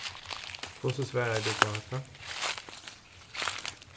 hvussu svaraði tú upp á hatta